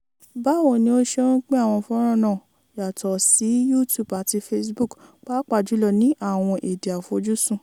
Báwo ni o ṣe ń pín àwọn fọ́nràn náà yàtọ̀ sí YouTube àti Facebook, pàápàá jùlọ ní àwọn èdè àfojúsùn?